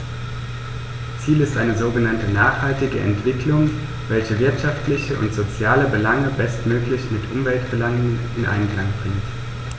Ziel ist eine sogenannte nachhaltige Entwicklung, welche wirtschaftliche und soziale Belange bestmöglich mit Umweltbelangen in Einklang bringt.